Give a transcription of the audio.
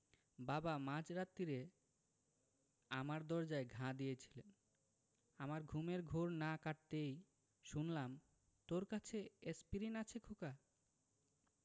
বাবা মাঝ রাত্তিরে আমার দরজায় ঘা দিয়েছিলেন আমার ঘুমের ঘোর না কাটতেই শুনলাম তোর কাছে এ্যাসপিরিন আছে খোকা